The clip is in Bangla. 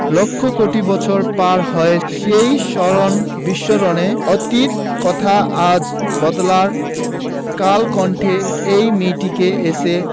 লক্ষ কোটি বছর পার হয়ে সেই স্মরণ বিস্মরণের অতীত কথা আজ বাদলার কলকণ্ঠে ঐ মেয়েটিকে এসে